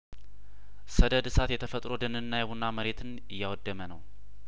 ሰደድ እሳት የተፈጥሮ ደንና የቡና መሬትን እያወደመ ነው